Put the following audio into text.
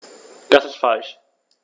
Das ist falsch.